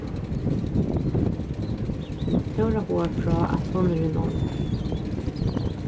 tóra boðar frá at hon er í nánd